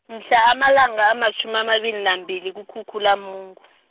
mhla amalanga amatjhumi amabili nambili kuKhukhulamungu.